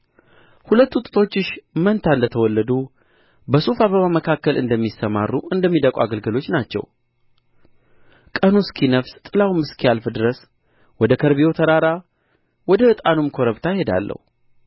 ሁለቱ ጡቶችሽ መንታ እንደ ተወለዱ በሱፍ አበባ መካከል እንደሚሰማሩ እንደ ሚዳቋ ግልገሎች ናቸው ቀኑ እስኪነፍስ ጥላውም እስኪያልፍ ድረስ ወደ ከርቤው ተራራ ወደ ዕጣኑም ኮረብታ እሄዳለሁ